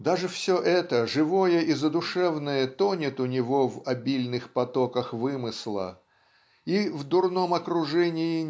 даже все это живое и задушевное тонет у него в обильных потоках вымысла и в дурном окружении